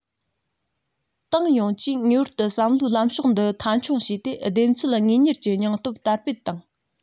ཏང ཡོངས ཀྱིས ངེས པར དུ བསམ བློའི ལམ ཕྱོགས འདི མཐའ འཁྱོངས བྱས ཏེ བདེན འཚོལ དངོས གཉེར གྱི སྙིང སྟོབས དར སྤེལ དང